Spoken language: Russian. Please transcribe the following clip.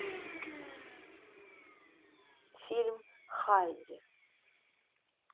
фильм хайди